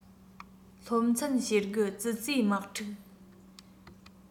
སློབ ཚན ཞེ དགུ ཙི ཙིའི དམག འཁྲུག